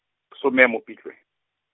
some Mopitlwe.